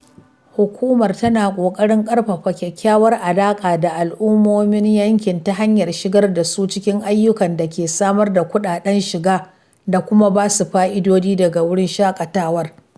Hukumar tana ƙoƙarin ƙarfafa kyakkyawar alaƙa da al’ummomin yankin ta hanyar shigar da su cikin ayyuka da ke samar da kuɗaɗen shiga da kuma ba su fa’idodi daga wurin shaƙatawar.